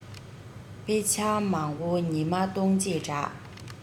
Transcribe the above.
དཔེ ཆ མང བོ ཉི མ གཏོང བྱེད འདྲ